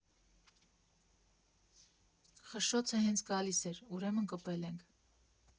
Խշշոցը հենց գալիս էր, ուրեմն կպել ենք։